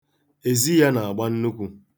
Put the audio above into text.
Ezi na-agba nnukwu.